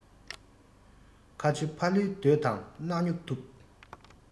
ཁ ཆེ ཕ ལུའི འདོད དང སྣག སྨྱུག ཐུག